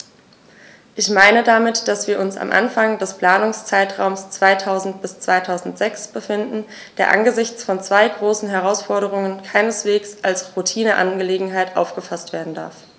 Ich meine damit, dass wir uns am Anfang des Planungszeitraums 2000-2006 befinden, der angesichts von zwei großen Herausforderungen keineswegs als Routineangelegenheit aufgefaßt werden darf.